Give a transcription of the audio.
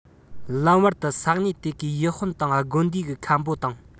ལམ བར དུ ས གནས དེ གའི ཡུལ དཔོན དང དགོན སྡེའི མཁན པོ དང